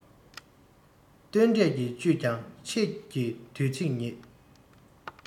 སྟོན འབྲས ཀྱི བཅུད ཀྱང ཁྱེད ཀྱི དུས ཚིགས ཉིད